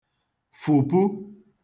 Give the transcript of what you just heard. fụ̀pu